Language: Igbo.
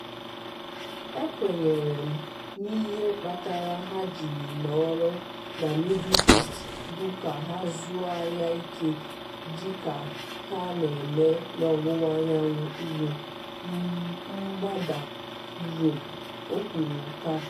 “Ekwenyere m n’ihe kpatara ha jiri nọrọ na Middle East bụ ka ha zụọ ahịa ike dị ka ha na-eme na ọwụwa anyanwụ Europe, mgbada Europe,” o kwuru nke a.